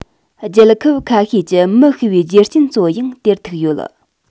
རྒྱལ ཁབ ཁ ཤས ཀྱི མི ཤི བའི རྒྱུ རྐྱེན གཙོ བོ ཡང དེར ཐུག ཡོད